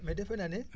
mais defe naa ne